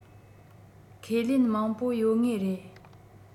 ཁས ལེན མང པོ ཡོད ངེས རེད